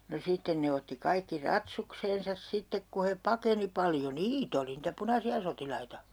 no sitten ne otti kaikki ratsukseen sitten kun he pakeni paljon niitä oli niitä punaisia sotilaita